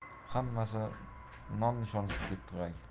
hammasi nomnishonsiz ketgay